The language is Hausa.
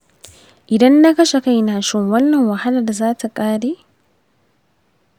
idan na kashe kaina, shin wannan wahalar za ta ƙare?